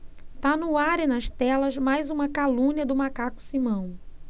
tá no ar e nas telas mais uma calúnia do macaco simão